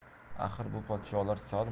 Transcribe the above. axir bu podsholar sal